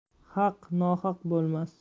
haq nohaq bo'lmas